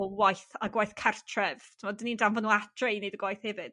O waith a gwaith cartref t'mod 'dyn ni'n danfon nhw atre i neud y gwaeth hefyd.